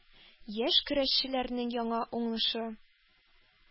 Яшь көрәшчеләрнең яңа уңышы